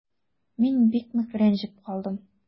Мин бик нык рәнҗеп калдым.